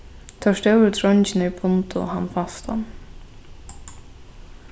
teir stóru dreingirnir bundu hann fastan